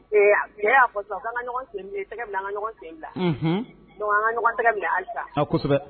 E cɛ y'a fɔ sisan ko an ka ɲɔgɔn tɛgɛ minɛ an ka ɲɔgɔn sen bila , donc an ka ɲɔgɔn tɛgɛ minɛ halisa, kosɛbɛ